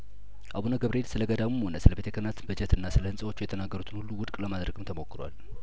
አቡነ ገብርኤል ስለገዳሙም ሆነ ስለቤተ ክህነት በጀትና ስለህንጻዎቿ የተናገሩትን ሁሉ ውድቅ ለማድረግም ተሞክሯል